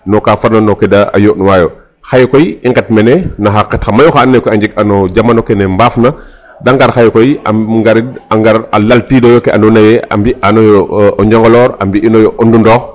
No ka farna no ke de yo'nuwaayo xaye koy i nget mene na xa qet xa mayu xa andoona yee koy a njeg a mene no jamano kene mbaafna da ngar xaye koy a ngarid a ngar a laltiidooyo ke andoona yee a mbi'anooyo o Njogoloor a mbi'inooyo o Ndoundokh.